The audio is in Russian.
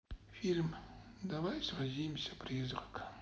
фильм давай сразимся призрак